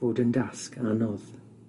bod yn dasg anodd.